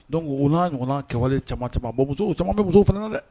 Dɔnkuc n' ɲɔgɔn kɛwale caman caman bon caman bɛ muso fana dɛ